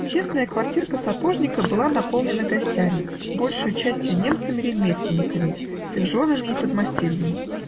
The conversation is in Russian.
Тесная квартирка сапожника была наполнена гостями, большею частию немцами-ремесленниками, с их женами и подмастерьями.